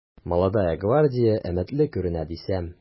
“молодая гвардия” өметле күренә дисәм...